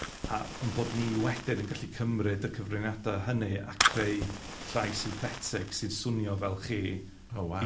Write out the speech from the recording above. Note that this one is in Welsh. a 'yn bod ni wedyn yn gallu cymryd y cyfraniada hynny a creu llais synthetig sy'n swnio fel chi... O, wow. ...i